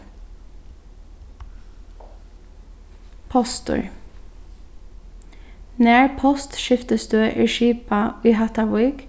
postur nær postskiftisstøð er skipað í hattarvík